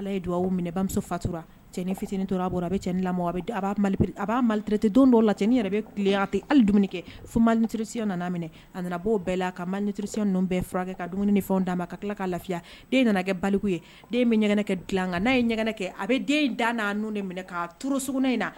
Tura tora a ni la aarete don dɔw la yɛrɛ bɛtɛ hali dumuniini kɛmatiriresiya nana minɛ a nana' bɛɛ la ka ma nitiriresiyɛn ninnu bɛɛ furakɛ ka dumuniini ni fɛn'a ma ka tila ka lafiya den nana kɛ baliku ye den bɛ ɲagagɛnɛnɛ kɛ dilan kan n'a ye ɲagagɛn kɛ a bɛ den in dan n'a de minɛ turu in na